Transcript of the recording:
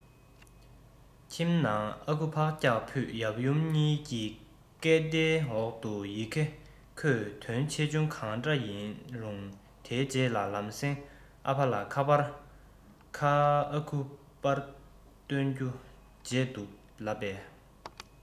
ཁྱིམ ནང ཨ ཁུ ཕག སྐྱག ཕུད ཡབ ཡུམ གཉིས ཀྱི སྐད དེའི འོག ཏུ ཡི གེ ཁོས དོན ཆེ ཆུང གང འདྲ ཡིན རུང དེའི རྗེས ལམ སེང ཨ ཕ ལ ཁ པར ཨ ཁུས པར བཏོན རྒྱུ བརྗེད འདུག ལབ པས